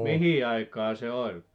mihin aikaan se oli